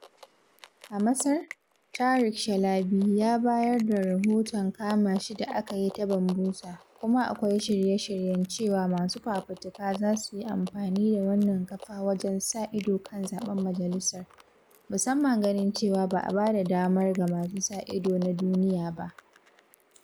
A Masar, Tarek Shalaby ya bayar da rahoton kama shi da aka yi ta Bambuser, kuma akwai shirye-shiryen cewa masu fafutuka zasu yi amfani da wannan kafa wajen sa ido kan zaɓen majalisar, musamman ganin cewa ba a ba da damar ga masu sa ido na duniya ba.